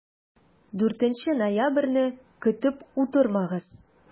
4 ноябрьне көтеп утырмагыз!